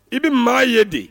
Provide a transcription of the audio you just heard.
I bɛ maa ye di